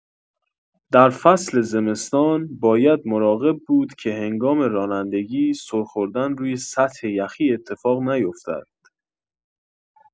در فصل زمستان، باید مراقب بود که هنگام رانندگی سر خوردن روی سطح یخی اتفاق نیفتد.